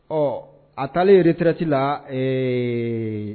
Ɔ a taa yɛrɛre terikɛreti la ee